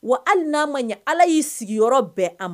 Wa hali n'a ma ɲi ala y'i sigiyɔrɔ bɛɛ a ma